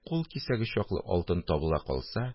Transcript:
Кул кисәге чаклы алтын табыла калса